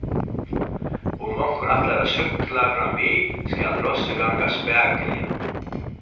um onkur ætlar at súkkla framvið skal rossið ganga spakuliga